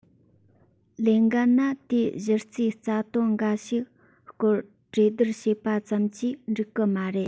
ལས འགན ནི དེའི གཞི རྩའི རྩ དོན འགའ ཞིག སྐོར གྲོས བསྡུར བྱས པ ཙམ གྱིས འགྲིག གི མ རེད